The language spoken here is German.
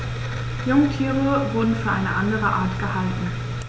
Jungtiere wurden für eine andere Art gehalten.